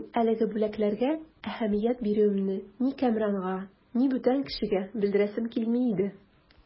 Ләкин әлеге бүләкләргә әһәмият бирүемне ни Кәмранга, ни бүтән кешегә белдерәсем килми иде.